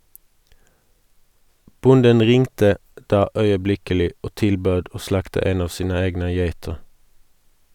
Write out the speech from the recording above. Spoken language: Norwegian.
Bonden ringte da øyeblikkelig og tilbød å slakte en av sine egne geiter.